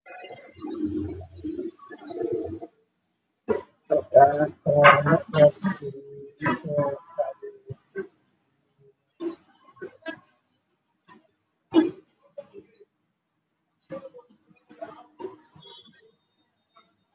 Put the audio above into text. Waxaa ii muuqata bac oo ay ku jirto waxaana ku soo yar galleyr oo baalashiisa kala baxsan